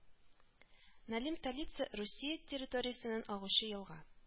Налим Талица Русия территориясеннән агучы елга